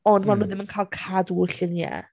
Ond maen nhw... mm ...ddim yn cael cadw'r lluniau.